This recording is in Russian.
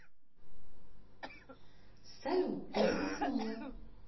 салют песня смола